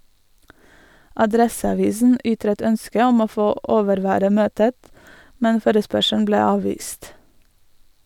Adresseavisen ytret ønske om å få overvære møtet, men forespørselen ble avvist.